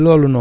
waaw